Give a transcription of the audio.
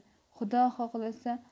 xudo xohlasa